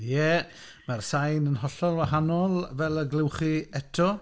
Ie, mae'r sain yn hollol wahanol fel y glywch chi eto.